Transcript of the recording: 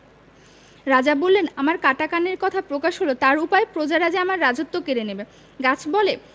রাজা বললেন আমার কাটা কানের কথা প্রকাশ হল তার উপায় প্রজারা যে আমার রাজত্ব কেড়ে নেবে গাছ বলে